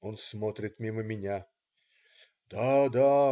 " Он смотрит мимо меня: "Да, да.